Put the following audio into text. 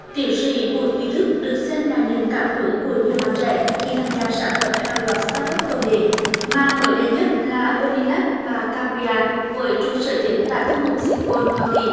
tiến sĩ vũ duy thức được xem là niềm cảm hứng của nhiều bạn trẻ khi tham gia sáng lập hàng loạt sờ tát ắp công nghệ mà mới đây nhất là ô li láp và cam pi na với trụ sở chính tại thung lũng si li côn hoa kỳ